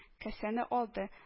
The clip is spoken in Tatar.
Касәне алды